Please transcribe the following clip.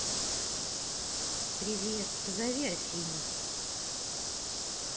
привет позови афину